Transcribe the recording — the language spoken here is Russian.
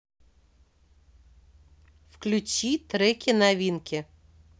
включи треки новинки